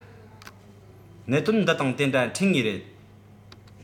གནད དོན འདི དང དེ འདྲ འཕྲད ངེས རེད